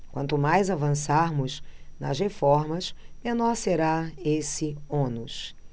quanto mais avançarmos nas reformas menor será esse ônus